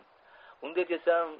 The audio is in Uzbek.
unday desam